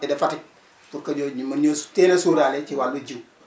et de Fatick pour ñooñu ñu mën ñoo teel a sóoraale ci wàllu jiw